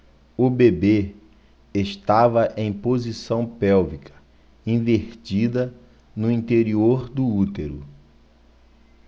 o bebê estava em posição pélvica invertida no interior do útero